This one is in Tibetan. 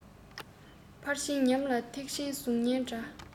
ཕར ཕྱིན ཉམས ལེན ཐེག ཆེན གཟུགས བརྙན འདྲ